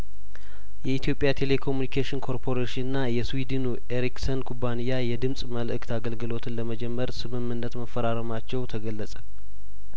የኢትዮጵያ ቴሌኮሚኒኬሽን ኮርፖሬሽንና የስዊድኑ ኤሪክሰን ኩባንያ የድምጽ መልእክት አገልግሎትን ለመጀመር ስምምነት መፈራረማቸው ተገለጸ